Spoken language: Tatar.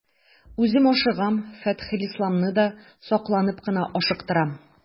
Үзем ашыгам, Фәтхелисламны да сакланып кына ашыктырам.